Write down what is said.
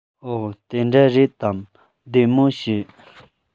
འོ དེ འདྲ རེད དམ བདེ མོ བྱོས